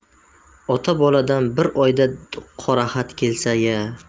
ota boladan bir oyda qoraxat kelsa ya